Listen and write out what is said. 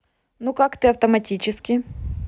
ну как ты автоматически